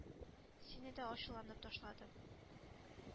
Сине дә ачуланып ташладым.